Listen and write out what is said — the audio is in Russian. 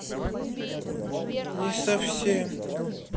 не совсем